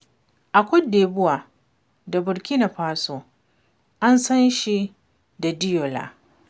A Cote d'Ivoire da Burkina Faso an san shi da Dioula.